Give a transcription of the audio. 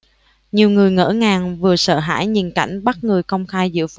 nhiều người ngỡ ngàng vừa sợ hãi nhìn cảnh bắt người công khai giữa phố